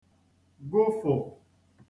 gụfụ̀